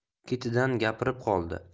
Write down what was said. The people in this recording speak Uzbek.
ketidan gapirib qoldi